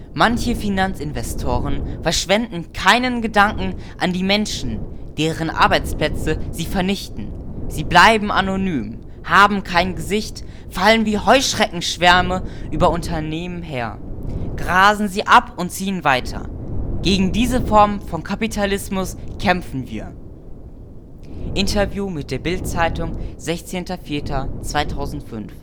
Manche Finanzinvestoren verschwenden keinen Gedanken an die Menschen, deren Arbeitsplätze sie vernichten – Sie bleiben anonym, haben kein Gesicht, fallen wie Heuschreckenschwärme über Unternehmen her, grasen sie ab und ziehen weiter. Gegen diese Form von Kapitalismus kämpfen wir. “(Interview mit der Bild-Zeitung, 16. 04. 2005